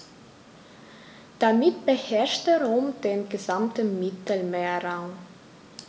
Damit beherrschte Rom den gesamten Mittelmeerraum.